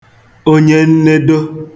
onyennedo